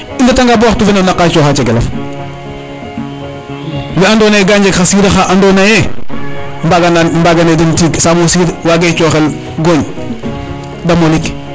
i ndeta nga bo waxtu fene o naqa coxa cegelof we ando naye ga njeg xa sira xa ando naye mbaga ne den tig samo siir wage coxel gooñ de molik